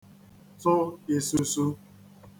-tụ isūsū